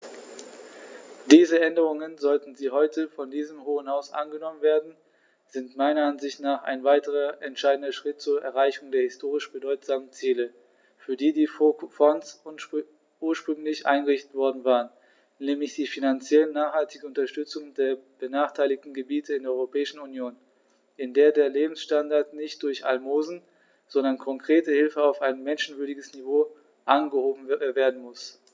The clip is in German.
Diese Änderungen, sollten sie heute von diesem Hohen Haus angenommen werden, sind meiner Ansicht nach ein weiterer entscheidender Schritt zur Erreichung der historisch bedeutsamen Ziele, für die die Fonds ursprünglich eingerichtet worden waren, nämlich die finanziell nachhaltige Unterstützung der benachteiligten Gebiete in der Europäischen Union, in der der Lebensstandard nicht durch Almosen, sondern konkrete Hilfe auf ein menschenwürdiges Niveau angehoben werden muss.